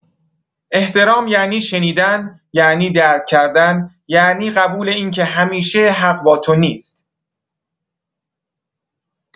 احترام یعنی شنیدن، یعنی درک‌کردن، یعنی قبول این که همیشه حق با تو نیست.